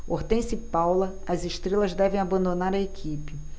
hortência e paula as estrelas devem abandonar a equipe